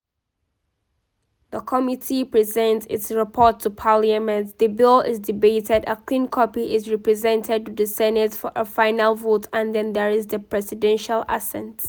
The committee presents its report to Parliament, the bill is debated, a clean copy is re-presented to the Senate for a final vote and then, there's the presidential assent.